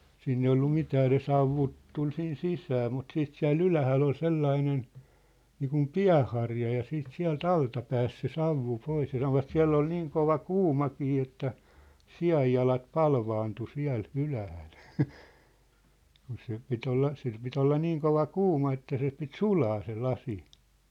siinä ei ollut mitään ne savut tuli sinne sisään mutta sitten siellä ylhäällä oli sellainen niin kuin pääharja ja sitten sieltä alta pääsi se savu pois ja sanovat siellä oli niin kova kuumakin että sianjalat palvaantui siellä ylhäällä kun se piti olla sillä piti olla niin kova kuuma että se piti sulaa se lasi